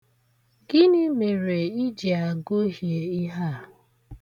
Gịnị mere ị ji agụhie ihe a?